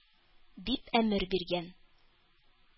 — дип әмер биргән.